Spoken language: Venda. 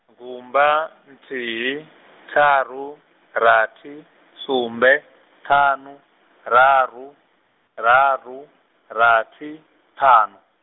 gumba, nthihi, ṱharu, rathi, sumbe, ṱhanu raru, raru, rathi, ṱhanu.